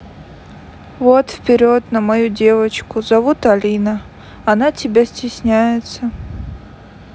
what вперед на мою девочку зовут алина она тебя стесняется